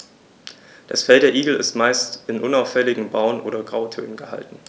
Das Fell der Igel ist meist in unauffälligen Braun- oder Grautönen gehalten.